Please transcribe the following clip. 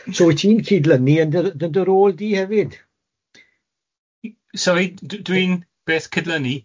So wyt ti'n cydlynu yn dy yn dy rôl di hefyd? Sori d- dwi'n beth cydlynu?